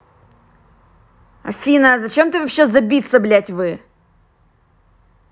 афина а зачем ты вообще забиться блядь вы